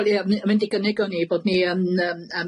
Wel ie o'n i, mynd i gynnig o'n i bod ni yn yym